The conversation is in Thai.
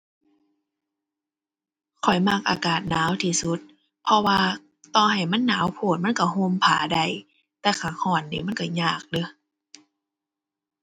ข้อยมักอากาศหนาวที่สุด เพราะว่าต่อให้มันหนาวโพด มันก็ห่มผ้าได้ แต่ถ้าก็นี่มันก็ยากเด้อ